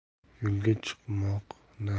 yo'lga chiqmoq na